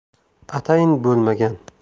atayin bo'lmagan